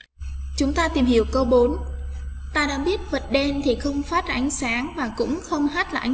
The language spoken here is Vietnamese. chúng ta tìm hiểu cơ thì không phát ánh sáng và cũng không hát lại